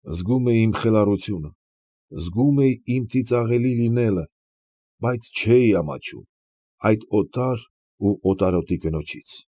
Զգում էի իմ խելառությունը, զգում էի իմ ծիծաղելի լինելը, բայց չէի ամաչում այդ օտար ու օտարոտի կնոջից։